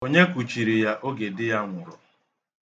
Onye kuchiri ya oge di ya nwụrụ?